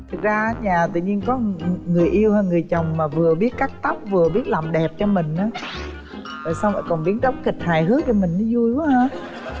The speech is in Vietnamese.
thực ra ý thì tự nhiên có người yêu người chồng mà vừa biết cắt tóc vừa biết làm đẹp cho mình nữa rồi xong lại còn biết đóng kịch hài cho mình thấy vui quá ha